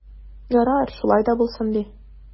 Ярар, шулай да булсын ди.